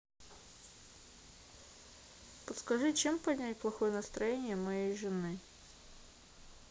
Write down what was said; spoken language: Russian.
подскажи чем поднять плохое настроение моей жены